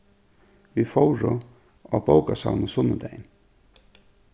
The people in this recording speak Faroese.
vit fóru á bókasavnið sunnudagin